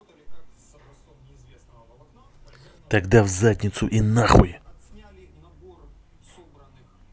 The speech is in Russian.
тогда в задницу и нахуй